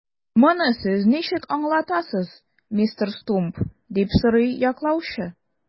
Моны сез ничек аңлатасыз, мистер Стумп? - дип сорый яклаучы.